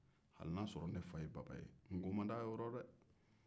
hali n'a y'a sɔrɔ ne fa ye baba ye n ko man di a ye